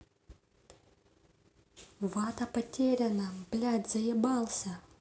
вата потеряна блядь заебался